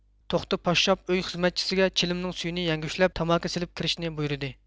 توختى پاششاپ ئۆي خىزمەتچىسىگە چىلىمنىڭ سۈيىنى يەڭگۈشلەپ تاماكا سېلىپ كىرىشىنى بۇيرىدى